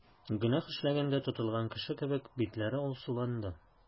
Гөнаһ эшләгәндә тотылган кеше кебек, битләре алсуланды.